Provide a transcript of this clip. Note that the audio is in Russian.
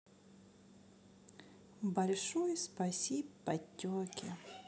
большой спасиб подтеки